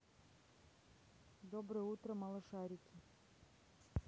доброе утро малышарики